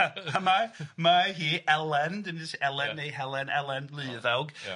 A mae mae hi Elen dwi'n jyst Elen neu Helen, Elen Luddawg... Ia